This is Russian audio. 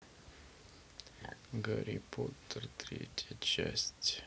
гарри поттер третья часть